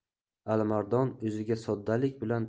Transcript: alimardon o'ziga soddalik bilan